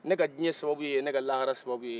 ne ka diɲɛ sababu ye e ye ne ka lahara sababu y'e ye